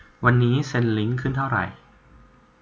วันนี้เชนลิ้งขึ้นเท่าไหร่